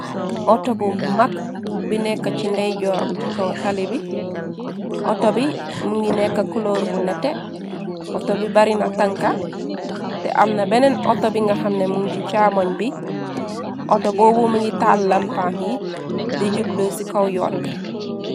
Auto bu mag bi nekka ci ndeyjoor bi ci kaw taali bi auto bi mongi nekka culoor bu nete auto bi barina tanka te amna beneen auto bi nga xamne mun ci caamuñ bi auto boobu mingi tàal lampaam yi di jublu ci kaw yoon bi.